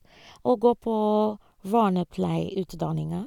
Og går på vernepleierutdanninga.